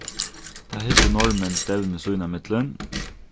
tá hildu norðmenn stevnu sínámillum